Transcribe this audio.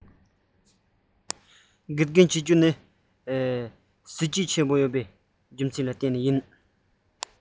ཁྱོད དགེ རྒན བྱེད འདོད པའི རྒྱུ མཚན གང ཡིན མགྲིན པ གཟེངས ནས ལན འདི ལྟར བཏབ སྲིད དེ